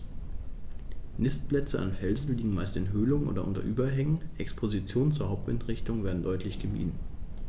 Nistplätze an Felsen liegen meist in Höhlungen oder unter Überhängen, Expositionen zur Hauptwindrichtung werden deutlich gemieden.